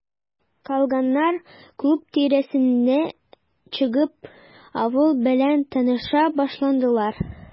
Калганнар, клуб тирәсенә чыгып, авыл белән таныша башладылар.